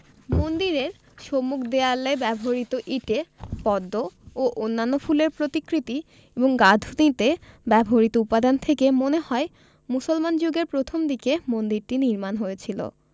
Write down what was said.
মন্দিরের সম্মুখ দেয়ালে ব্যবহূত ইটে পদ্ম ও অন্যান্য ফুলের প্রতিকৃতি এবং গাঁথুনীতে ব্যবহূত উপাদান থেকে মনে হয় মুসলমান যুগের প্রথমদিকে মন্দিরটি নির্মিত হয়েছিল